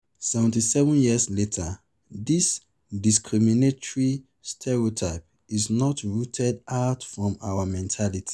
77 years later this [discriminatory stereotype] is not rooted out from our mentality.